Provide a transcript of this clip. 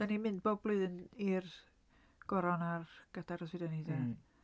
Dan ni'n mynd bob blwyddyn i'r goron a'r gadair os fedra ni 'de... hmm.